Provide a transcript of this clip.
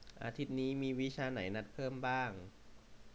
อาทิตย์นี้มีวิชาไหนนัดเพิ่มบ้าง